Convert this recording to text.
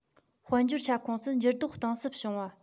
དཔལ འབྱོར ཁྱབ ཁོངས སུ འགྱུར ལྡོག གཏིང ཟབ བྱུང བ